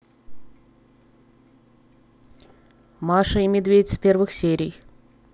маша и медведь с первых серий